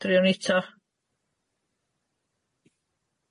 Driwn ni'to.